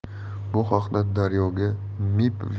bu haqda daryo ga mib